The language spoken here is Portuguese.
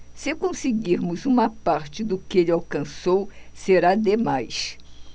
se conseguirmos uma parte do que ele alcançou será demais